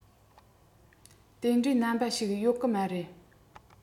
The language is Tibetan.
དེ འདྲའི རྣམ པ ཞིག ཡོད གི མ རེད